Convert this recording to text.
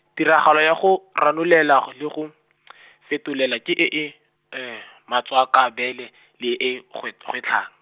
tiragalo ya go, ranolela le go , fetolela ke e e, , matswakabele, le e gwet- gwetlhang.